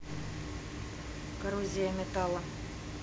коррозия металла